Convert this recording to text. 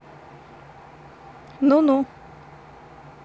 ну ну